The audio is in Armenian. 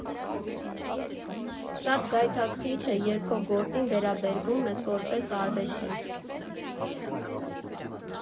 Շատ գայթակղիչ է, երբ քո գործին վերաբերվում ես որպես արվեստի.